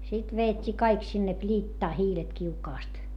sitten vedettiin kaikki sinne pliittaan hiilet kiukaasta